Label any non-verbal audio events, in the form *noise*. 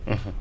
*hesitation* *hesitation*